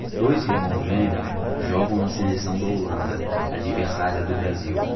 dois irmãos gêmeos jogam na seleção da holanda adversária do brasil